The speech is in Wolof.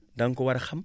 da nga ko war a xam